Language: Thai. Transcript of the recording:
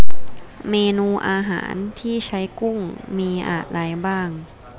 เมนูอาหารที่ใช้กุ้งมีอะไรบ้าง